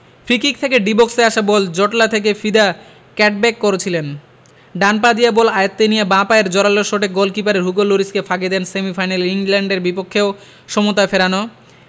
free kick থেকে D বক্সে আসা বল জটলা থেকে ভিদা ক্যাটব্যাক করেছিলেন ডান পা দিয়ে বল আয়ত্তে নিয়ে বাঁ পায়ের জোরালো শটে গোলকিপার হুগো লরিসকে ফাঁকি দেন সেমিফাইনালে ইংল্যান্ডের বিপক্ষেও সমতা ফেরানো